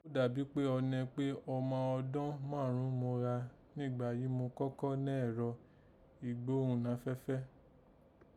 Ó dà bí ọnẹ kpé ọma ọdọ́n máàrún mo gha nìgbà yìí mo kọ́kọ́ nẹ́ ẹ̀rọ ìgbóghùnnáfẹ́fẹ́